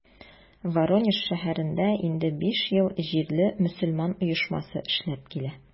Воронеж шәһәрендә инде биш ел җирле мөселман оешмасы эшләп килә.